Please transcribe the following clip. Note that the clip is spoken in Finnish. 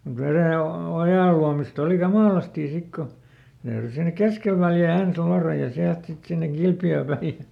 mutta - ojanluomista oli kamalasti sitten kun ne täytyi sinne keskelle Väljää ensin luoda ja sieltä sitten sinne Kilpiöön päin ja